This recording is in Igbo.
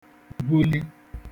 buli